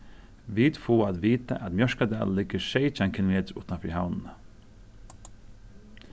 vit fáa at vita at mjørkadalur liggur seytjan km uttan fyri havnina